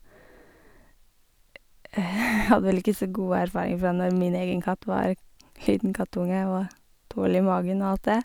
Hadde vel ikke så gode erfaring fra når min egen katt var liten kattunge og dårlig i magen og alt det.